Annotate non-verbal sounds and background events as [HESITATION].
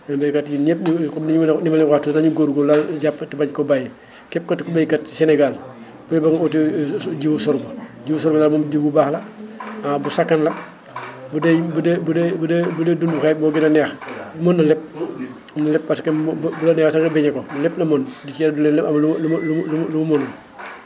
baykat yi ñun ñëpp [NOISE] ñu comme ni ma ni ma leen koy waxee toujours na ñuy góor-góorlu [NOISE] jàpp te bañ ko bàyyi [INHALES] képp kat baykat si Sénégal [CROSSTALK] bu yeboo nga uti [HESITATION] jiwu sorgho [CROSSTALK] jiwu sorgho daal moom jiwu bu baax la [CROSSTALK] ah bu sakan la [NOISE] bu dee bu dee bu dee bu dee bu dee dundkaay moo gën a neex [CROSSTALK] mën na lépp mën na lépp parce que moom bu la neexee sax nga beñe ko lépp la mën du ceeb du lenn amul lu mu lu mu lu mu lu mu mënul